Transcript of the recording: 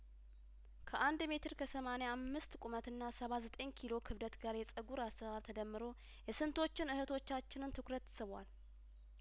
ከአንድ ሜትር ከሰማኒያ አምስት ቁመትና ሰባ ዘጠኝ ኪሎ ክብደት ጋር የጸጉሩ አሰራር ተደምሮ የስንቶቹን እህቶቻችንን ትኩረት ስቧል